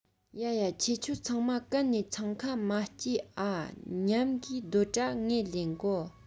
ཡ ཡ ཁྱེད ཆོ ཚང མ གན ནས འཚང ཁ མ སྐྱེ འ མཉམ གིས སྡོད དྲ ངས ལེན གོ